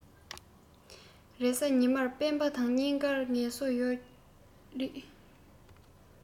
རེས གཟའ ཉི མར དང སྤེན པ གཉིས ཀར ངལ གསོ ཡོད རེད